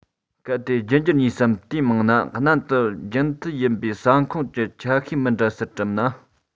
གལ ཏེ རྒྱུད འགྱུར གཉིས སམ དེའི མང བ ནན དུ རྒྱུན མཐུད ཡིན པའི ས ཁོངས ཀྱི ཆ ཤས མི འདྲ སར གྲུབ ན